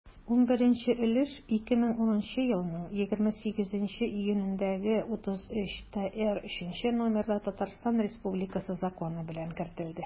11 өлеш 2010 елның 28 июнендәге 33-трз номерлы татарстан республикасы законы белән кертелде.